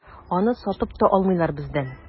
Аны сатып та алмыйлар бездән.